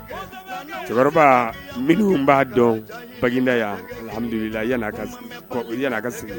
Cɛkɔrɔba minnu b'a dɔn bada yan a ka